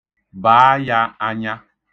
Baa ya anya.